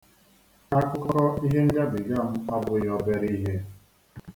Akụkọ ihe ngabiga m abụghị obere ihe.